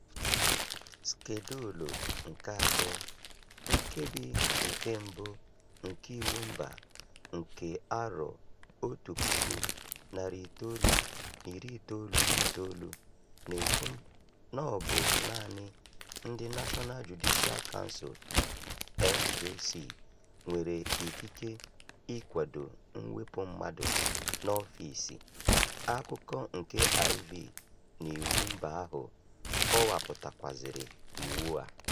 Skedụlụ nke Atọ, Nkebi nke 1 nke Iwu Mba nke 1999 na-ekwu na ọ bụ naanị ndị National Judicial Council (NJC) nwere ikike ịkwado mwepụ mmadụ n'ọfiisi. Akụkụ nke IV na Iwu Mba ahụ kọwapụtakwazịrị iwu a.